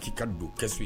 K'i ka don kɛso ye